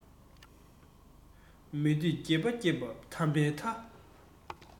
མེད དུས འགྱོད པ སྐྱེས པ ཐ མའི ཐ